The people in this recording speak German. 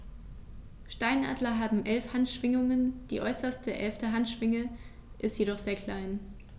Steinadler haben 11 Handschwingen, die äußerste (11.) Handschwinge ist jedoch sehr klein.